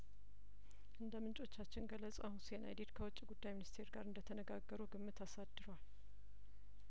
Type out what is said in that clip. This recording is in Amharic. እንደ ምንጮቻችን ገለጻ ሁሴን አይዲድ ከውጭ ጉዳይሚኒስቴር ጋር እንደተነጋገሩ ግምት አሳድሯል